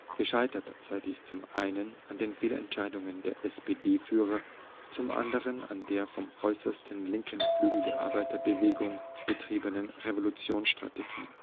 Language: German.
Gescheitert sei dies zum einen an den Fehlentscheidungen der SPD-Führer, zum anderen an der vom äußersten linken Flügel der Arbeiterbewegung betriebenen Revolutionsstrategie